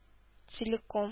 Целиком